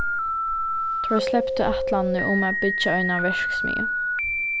teir sleptu ætlanini um at byggja eina verksmiðju